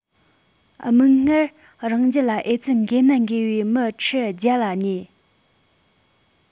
མིག སྔར རང རྒྱལ ལ ཨེ ཙི འགོས ནད འགོས པའི མི ཁྲི བརྒྱ ལ ཉེ